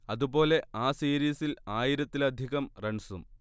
അതുപോലെ ആ സീരീസിൽ ആയിരത്തിലധികം റൺസും